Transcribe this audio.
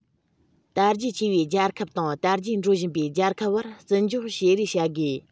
དར རྒྱས ཆེ བའི རྒྱལ ཁབ དང དར རྒྱས འགྲོ བཞིན པའི རྒྱལ ཁབ བར བརྩི འཇོག བྱེད རེས བྱ དགོས